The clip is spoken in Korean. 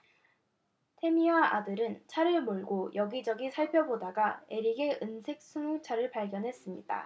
태미와 아들은 차를 몰고 여기 저기 살펴보다가 에릭의 은색 승용차를 발견했습니다